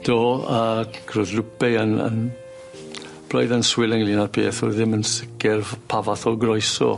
Do ag ro'dd Lupe yn yn braidd yn swil ynglŷn â'r peth oedd ddim yn sicir f- pa fath o groeso